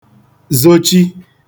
zochi